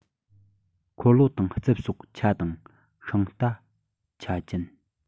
འཁོར ལོ དང རྩིབས སོགས ཆ དང ཤིང རྟ ཆ ཅན